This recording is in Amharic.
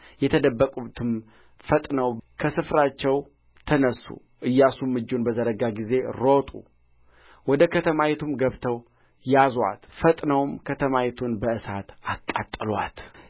የተደበቁትም ፈጥነው ከስፍራቸው ተነሡ ኢያሱም እጁን በዘረጋ ጊዜ ሮጡ ወደ ከተማይቱም ገብተው ያዙአት ፈጥነውም ከተማይቱን በእሳት አቃጠሉአት